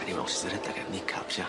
Gawn ni weld sud di redeg 'eb kneecaps ia?